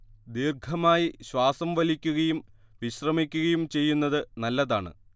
ദീർഘമായി ശ്വാസം വലിക്കുകയും വിശ്രമിക്കുകയും ചെയ്യുന്നത് നല്ലതാണ്